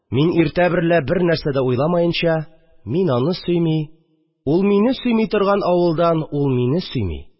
Мин иртә берлә бернәрсә дә уйламаенча, мин аны сөйми, ул мине сөйми торган авылдан ул мине сөйми